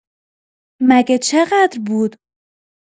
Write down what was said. مگه چقدر بود؟